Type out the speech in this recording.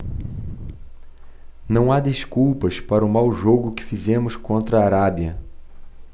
não há desculpas para o mau jogo que fizemos contra a arábia